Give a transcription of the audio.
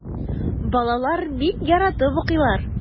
Балалар бик яратып укыйлар.